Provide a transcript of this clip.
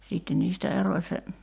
sitten niistä erosi se